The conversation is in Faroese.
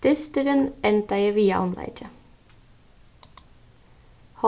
dysturin endaði við javnleiki